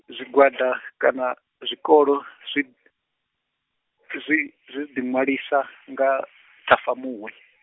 zwigwada, kana, zwikolo zwi, zwi, zwi ḓi ḓiṅwalisa, nga, Ṱhafamuhwe.